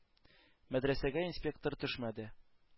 Мәдрәсәгә инспектор төшмәде.